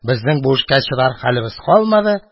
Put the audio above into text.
Безнең бу эшкә чыдар хәлебез калмады.